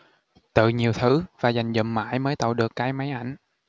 tự nhiều thứ và dành dụm mãi mới tậu được cái máy ảnh